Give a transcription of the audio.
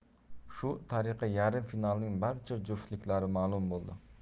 shu tariqa yarim finalning barcha juftliklari ma'lum bo'ldi